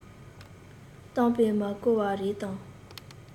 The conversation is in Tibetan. གཏམ དཔེ མ གོ བ རེད དམ